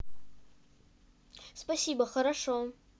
спасибо хорошо